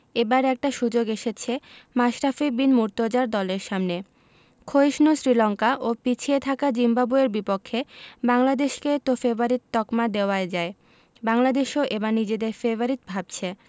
এবার একটা সুযোগ এসেছে মাশরাফি বিন মুর্তজার দলের সামনে ক্ষয়িষ্ণু শ্রীলঙ্কা ও পিছিয়ে থাকা জিম্বাবুয়ের বিপক্ষে বাংলাদেশকে তো ফেবারিট তকমা দেওয়াই যায় বাংলাদেশও এবার নিজেদের ফেবারিট ভাবছে